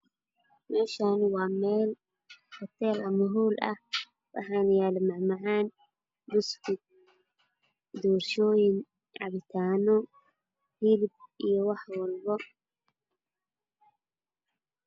Meeshan waa meel hutel ah ama hool ah waxaana yaalo macmacaan buskud doorshoyin cabitaano hilib iyo waxwalbo